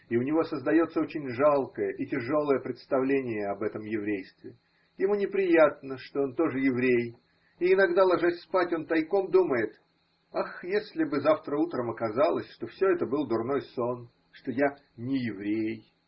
и у него создается очень жалкое и тяжелое представление об этом еврействе, ему неприятно, что он тоже еврей, и иногда, ложась спать, он тайком думает: ах, если бы завтра утром оказалось, что все это был дурной сон, что я – не еврей!